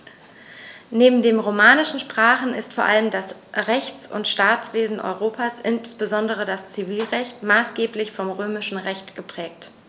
Neben den romanischen Sprachen ist vor allem das Rechts- und Staatswesen Europas, insbesondere das Zivilrecht, maßgeblich vom Römischen Recht geprägt.